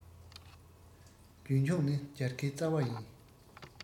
བློ མེད རྒྱུན ཆད མེད དོ ཁྭ ཏའི བུ